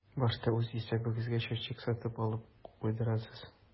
Башта үз исәбегезгә счетчик сатып алып куйдырасыз.